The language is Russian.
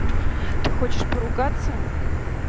ты хочешь поругаться